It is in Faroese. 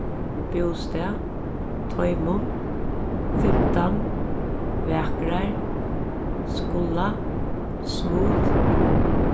bústað teimum fimtan vakrar skula smooth